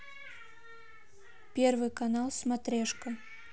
первый канал смотрешка